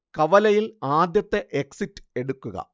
കവലയിൽ ആദ്യത്തെ എക്സിറ്റ് എടുക്കുക